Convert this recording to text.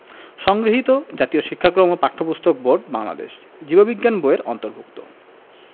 সংগৃহীত জাতীয় শিক্ষাক্রম ও পাঠ্যপুস্তক বোর্ড বাংলাদেশ জীব বিজ্ঞান বই এর অন্তর্ভুক্ত